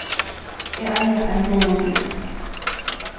eg eigi ein bláan bil